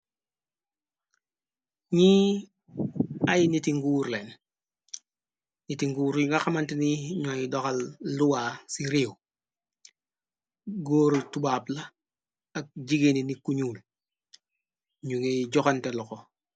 Nñi ay niti nguur leen niti nguury nga xamant ni ñooy doxal luwa ci réew góoru tubaab bi ak jigéene nikku ñuul ñu ngay joxante loxo.